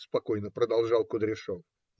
спокойно продолжал Кудряшов,